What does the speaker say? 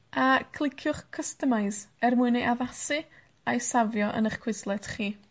A cliciwch customize er mwyn eu addasu a'u safio yn 'ych Quizlet chi.